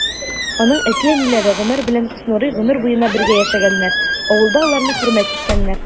Аның әти-әниләре Гомәр белән Хөснурый гомер буена бергә яшәгәннәр, авылда аларны хөрмәт иткәннәр.